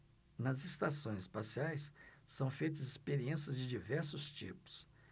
nas estações espaciais são feitas experiências de diversos tipos